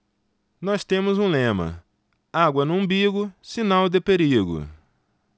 nós temos um lema água no umbigo sinal de perigo